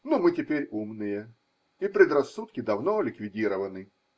Но мы теперь умные, и предрассудки давно ликвидированы.